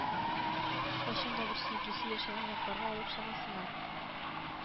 Кайчан да бер сөеклесе яшәгән якларга алып чыгасына